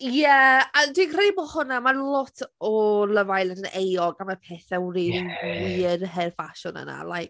Ie, a dwi'n credu bod hwnna, mae lot o Love Island yn euog am y pethau rili weird hen ffasiwn yna. Like...